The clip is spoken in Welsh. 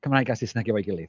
Cymraeg a Saesneg efo'i gilydd.